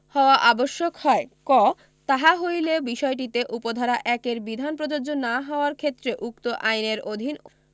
হওয়া আবশ্যক হয় ক তাহা হইলে বিষয়টিতে উপ ধারা ১ এর বিধান প্রযোজ্য না হওয়ার ক্ষেত্রে উক্ত আইন এর অধীন